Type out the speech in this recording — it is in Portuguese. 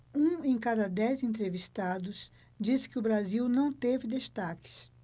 um em cada dez entrevistados disse que o brasil não teve destaques